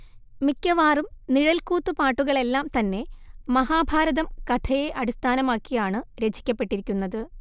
മിക്കവാറും നിഴൽക്കൂത്തുപാട്ടുകളെല്ലാം തന്നെ മഹാഭാരതം കഥയെ അടിസ്ഥാനമാക്കിയാണു രചിക്കപ്പെട്ടിരിക്കുന്നത്